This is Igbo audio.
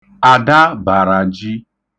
Ada bàrà jí.